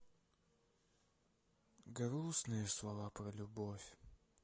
грустные слова про любовь